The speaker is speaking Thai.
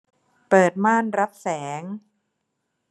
เปิดม่านรับแสง